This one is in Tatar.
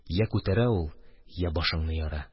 Йә күтәрә ул, йә башыңны яра.